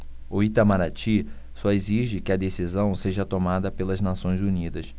o itamaraty só exige que a decisão seja tomada pelas nações unidas